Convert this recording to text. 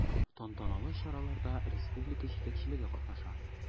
Тантаналы чараларда республика җитәкчелеге катнашты.